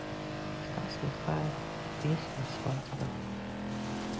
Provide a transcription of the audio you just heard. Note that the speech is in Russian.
стас михайлов песня свадьба